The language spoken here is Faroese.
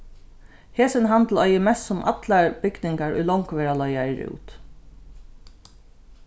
hesin handilin eigur mest sum allar bygningar ið longu verða leigaðir út